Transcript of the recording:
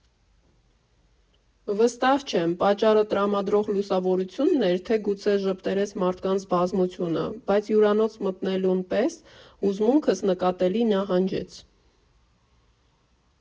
Վստահ չեմ՝ պատճառը տրամադրող լուսավորությունն էր, թե՞ գուցե ժպտերես մարդկանց բազմությունը, բայց հյուրանոց մտնելուն պես հուզմունքս նկատելի նահանջեց։